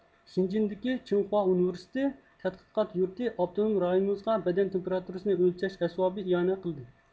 شېنجېندىكى چىڭخۇا ئۇنىۋېرسىتېتى تەتقىقات يۇرتى ئاپتونوم رايونىمىزغا بەدەن تېمپىراتۇرىسىنى ئۆلچەش ئەسۋابى ئىئانە قىلدى